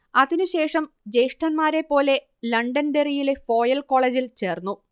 അതിനു ശേഷം ജ്യേഷ്ഠന്മാരെപ്പോലെ ലണ്ടൻഡെറിയിലെ ഫോയൽ കോളേജിൽ ചേർന്നു